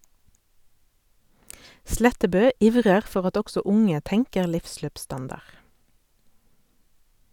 Slettebø ivrer for at også unge tenker livsløpsstandard.